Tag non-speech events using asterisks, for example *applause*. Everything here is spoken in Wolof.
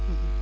*hesitation* *hesitation*